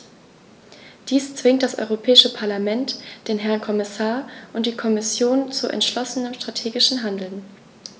Dies zwingt das Europäische Parlament, den Herrn Kommissar und die Kommission zu entschlossenem strategischen Handeln.